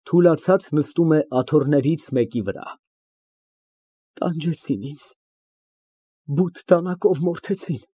(Թուլացած նստում է աթոռներից մեկի վրա) Տանջեցին ինձ, բութ դանակով մորթեցին։